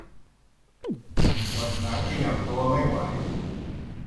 ปวดหลังขยับตัวไม่ไหว